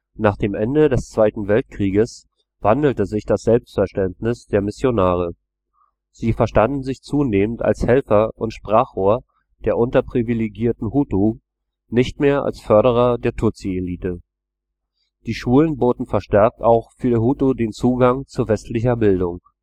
Nach dem Ende des Zweiten Weltkrieges wandelte sich das Selbstverständnis der Missionare. Sie verstanden sich zunehmend als Helfer und Sprachrohr der unterprivilegierten Hutu, nicht mehr als Förderer der Tutsi-Elite. Die Schulen boten verstärkt auch für Hutu den Zugang zu westlicher Bildung